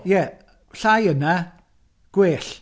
Ie, llai yna gwell.